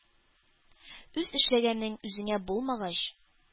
Үз эшләгәнең үзеңә булмагач,